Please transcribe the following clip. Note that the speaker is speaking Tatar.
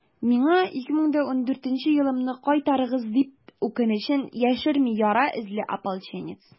«миңа 2014 елымны кире кайтарыгыз!» - дип, үкенечен яшерми яра эзле ополченец.